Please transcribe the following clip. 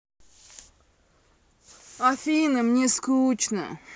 афина мне скучно